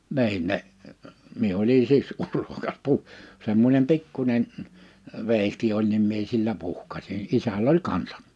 niin ne minä olin siksi urhokas - semmoinen pikkuinen veitsi oli niin minä sillä isällä oli kanssa